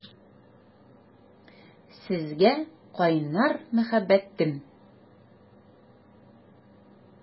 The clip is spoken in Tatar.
Сезгә кайнар мәхәббәтем!